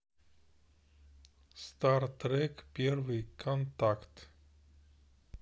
стар трек первый контакт